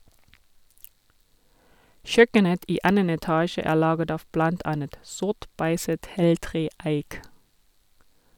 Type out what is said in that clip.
Kjøkkenet i annen etasje er laget av blant annet sort, beiset heltre eik.